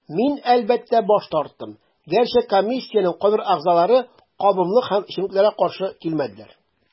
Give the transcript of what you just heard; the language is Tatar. Мин, әлбәттә, баш тарттым, гәрчә комиссиянең кайбер әгъзаләре кабымлык һәм эчемлекләргә каршы килмәделәр.